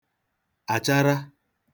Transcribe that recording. àchara